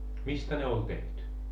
mistä ne oli tehty